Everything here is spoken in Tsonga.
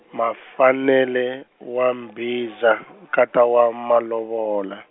Mafanele wa Mbhiza nkata wa Malovola.